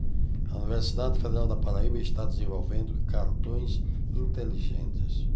a universidade federal da paraíba está desenvolvendo cartões inteligentes